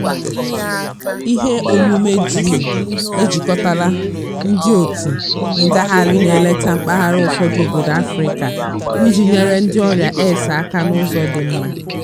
GV: Iheomume DREAM ejikọtala ndịotu ngagharị na-eleta mpaghara ụfọdụ obodo Afrịka iji nyere ndịọrịa AIDS aka n'ụzọ dị mma.